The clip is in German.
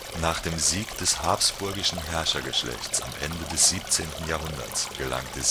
Nach dem Sieg des habsburgischen Herrschergeschlechts am Ende des 17. Jahrhunderts gelangte